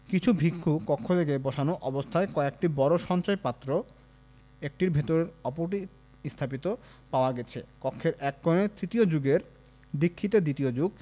কিছু ভিক্ষু কক্ষ থেকে বসানো অবস্থায় কয়েকটি বড় সঞ্চয় পাত্র একটির ভেতর অপর একটি স্থাপিত পাওয়া গেছে কক্ষের এক কোণে তৃতীয় যুগের দীক্ষিতের দ্বিতীয় যুগ